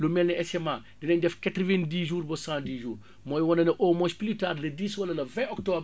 lu mel ni SMA dinañ def quatre vingt dix jours ba cent dix jours mooy wane ne au moins plus tard le dix wala le vingt octobre